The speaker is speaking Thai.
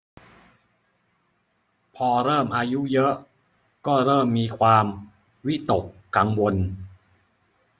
พอเริ่มอายุเยอะก็เริ่มมีความวิตกกังวล